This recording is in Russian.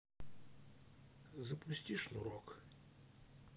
запусти шнурок